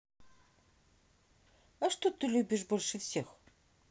а что ты любишь больше всех